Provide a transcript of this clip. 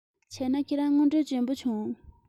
བྱས ན ཁྱེད རང དངོས འབྲེལ འཇོན པོ བྱུང